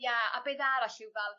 Ia a beth arall yw fel